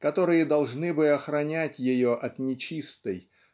которые должны бы охранять ее от нечистой